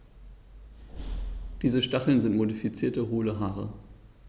Diese Stacheln sind modifizierte, hohle Haare.